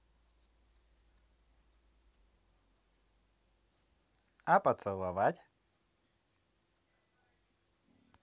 а поцеловать